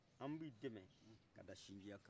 an b' i dɛmɛ ka da sinjiya kan